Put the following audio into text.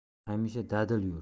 hamisha dadil yur